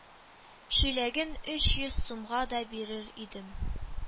Чиләген өч йөз сумга да бирер идем